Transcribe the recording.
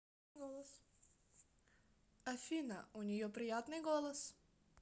афина у нее приятный голос